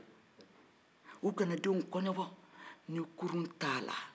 u kana denw kɔɲɔbɔ ni kurun t'a la